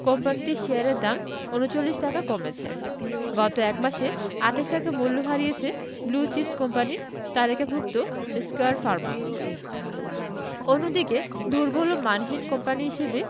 কোম্পানিটির শেয়ারের দাম ৩৯ টাকা কমেছে গত এক মাসে ২৮ টাকা মূল্য হারিয়েছে ব্লু চিপস কোম্পানির তালিকাভুক্ত স্কয়ার ফার্মা অন্যদিকে দুর্বল ও মানহীন কোম্পানি হিসেবে